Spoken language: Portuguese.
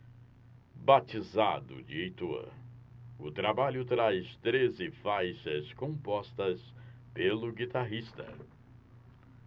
batizado de heitor o trabalho traz treze faixas compostas pelo guitarrista